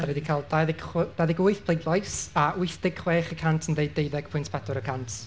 Dan ni 'di cael dauddeg chw- dauddeg wyth y cant a wythdeg chwech cant yn deuddeg pwynt pedwar y cant.